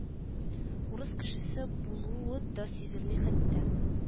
Урыс кешесе булуы да сизелми хәтта